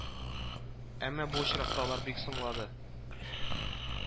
Әмма бу очракта алар бик соңлады